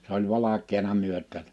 se oli valkeana myötäänsä